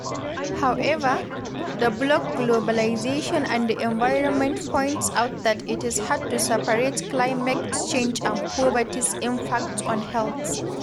However, the blog Globalisation and the Environment points out that it's hard to separate climate change and poverty's impacts on health.